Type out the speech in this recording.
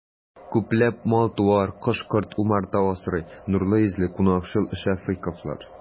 Күпләп мал-туар, кош-корт, умарта асрый нурлы йөзле, кунакчыл шәфыйковлар.